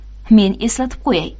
men eslatib qo'yay